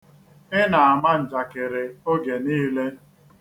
Ị na-ama njakịrị oge niiile.